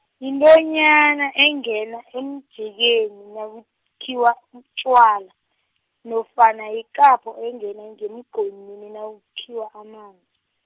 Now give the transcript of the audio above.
yintonyani engena emjekeni nakukhiwa utjwala, nofana yikapho engena ngemgqonyini nakukhiwa amanzi.